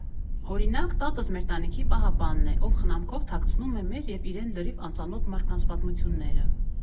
Օրինակ՝ տատս մեր տանիքի պահապանն է, ով խնամքով թաքցնում է մեր և իրեն լրիվ անծանոթ մարդկանց պատմությունները։